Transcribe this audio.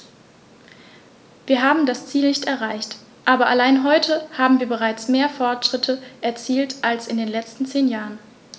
Wir haben das Ziel nicht erreicht, aber allein heute haben wir bereits mehr Fortschritte erzielt als in den letzten zehn Jahren.